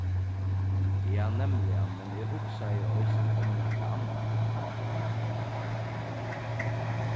ja nemliga men eg hugsaði eisini um nakað annað